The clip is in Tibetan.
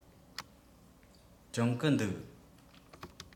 སྦྱོང གི འདུག